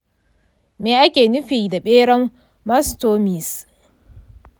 me ake nufi da beran mastomys?